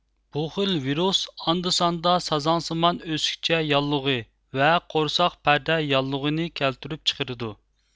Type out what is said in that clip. بۇ خىل ۋىرۇس ئاندا ساندا سازاڭسىمان ئۆسۈكچە ياللۇغى ۋە قورساق پەردە ياللۇغىنى كەلتۈرۈپ چىقىرىدۇ